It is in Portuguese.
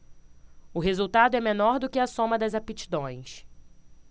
o resultado é menor do que a soma das aptidões